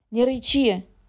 не рычи